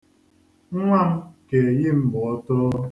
Nwa m ga-eyi m ma o too.